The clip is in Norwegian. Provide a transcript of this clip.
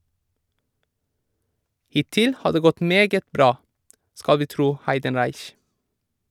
Hittil har det gått meget bra, skal vi tro Heidenreich.